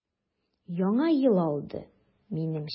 Яңа ел алды, минемчә.